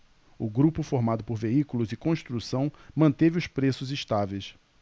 o grupo formado por veículos e construção manteve os preços estáveis